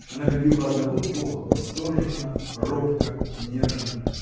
она любила одного бога восторженно, робко, нежно.